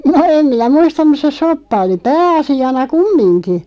no en minä muista mutta se soppa oli pääasiana kumminkin